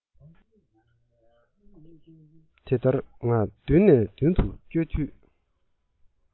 དེ ལྟར ང མདུན ནས མདུན དུ བསྐྱོད དུས